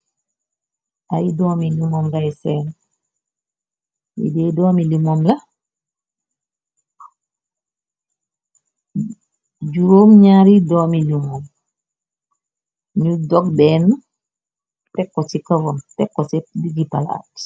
Ay doomi limoon ngaay seen, li dey doomi limoon la, juroom ñari doomi limoon, ñu dog benne tekko si kawam, tekko ci digg palaat.